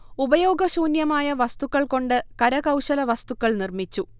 ഉപയോഗശൂന്യമായ വസ്തുക്കൾ കൊണ്ട് കരകൗശല വസ്തുക്കൾ നിർമിച്ചു